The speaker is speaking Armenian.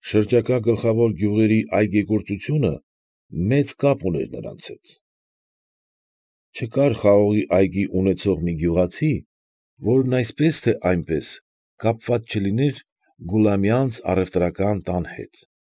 Շրջակա գլխավոր գյուղերի այգեգործությունը մեծ կապ ուներ նրանց հետ. Չկար խաղողի այգի ունեցող մի գյուղացի, որն այսպես թե այնպես կապված չլիներ Գուլամյանց առևտրական տան հետ։